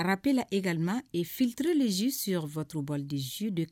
Marapla ee kama e fitiriur dez suyfatorobali dez de